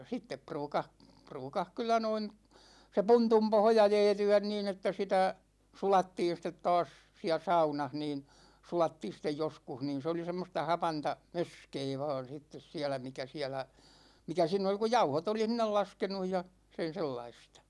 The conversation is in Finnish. sitten ruukasi ruukasi kyllä noin se puntun pohja jäätyä niin että sitä sulattiin sitten taas siellä saunassa niin sulattiin sitten joskus niin se oli semmoista hapanta möskää vain sitten siellä mikä siellä mikä siinä oli kun jauhot oli sinne laskenut ja sen sellaista